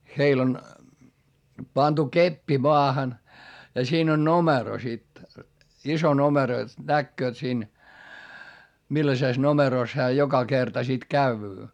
heillä on pantu keppi maahan ja siinä on numero sitten iso numero jotta näkevät siinä millaisessa numerossa hän joka kerta sitten käy